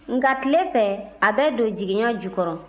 nka tile fɛ a bɛ don jiginɛ jukɔrɔ